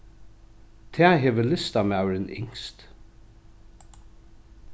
tað hevur listamaðurin ynskt